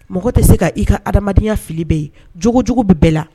Mɔgɔ tɛ se ka i ka ha adamadenyaya fili bɛ ye jo jugujugu bɛɛ la